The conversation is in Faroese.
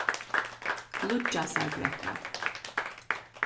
líggjasarbrekka